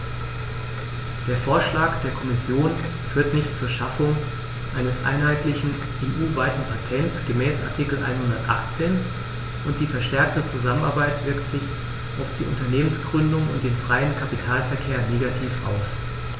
Der Vorschlag der Kommission führt nicht zur Schaffung eines einheitlichen, EU-weiten Patents gemäß Artikel 118, und die verstärkte Zusammenarbeit wirkt sich auf die Unternehmensgründung und den freien Kapitalverkehr negativ aus.